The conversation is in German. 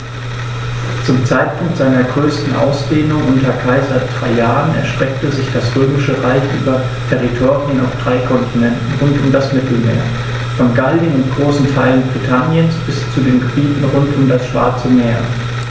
Zum Zeitpunkt seiner größten Ausdehnung unter Kaiser Trajan erstreckte sich das Römische Reich über Territorien auf drei Kontinenten rund um das Mittelmeer: Von Gallien und großen Teilen Britanniens bis zu den Gebieten rund um das Schwarze Meer.